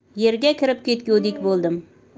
yerga kirib ketgudek bo'ldim